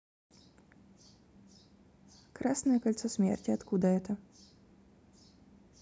красное кольцо смерти откуда это